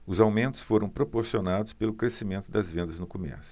os aumentos foram proporcionados pelo crescimento das vendas no comércio